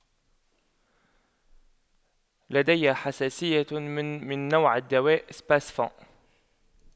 لدي حساسية من من نوع الدواء سباسفون